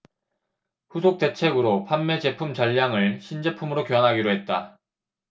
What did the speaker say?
후속 대책으로 판매 제품 전량을 신제품으로 교환하기로 했다